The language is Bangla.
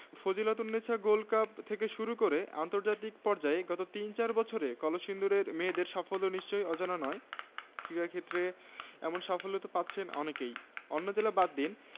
ফজিলাতুন্নেছা গোল্ড কাপ থেকে শুরু করে আন্তর্জাতিক পর্যায়ে গত তিন চার বছরে কলসিন্দুরের মেয়েদের সাফল্য নিশ্চয়ই অজানা নয় ক্রীড়াক্ষেত্রে এমন সাফল্য তো পাচ্ছেন অনেকেই অন্য জেলা বাদ দিন